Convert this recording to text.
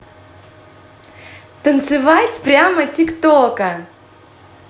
танцевать прямо тик тока